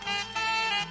Hɛrɛ